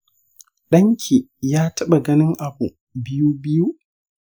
ɗan ki ya taɓa ganin abu biyu-biyu?